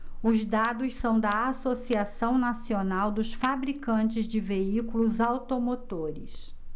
os dados são da anfavea associação nacional dos fabricantes de veículos automotores